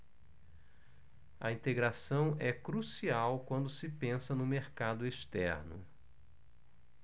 a integração é crucial quando se pensa no mercado externo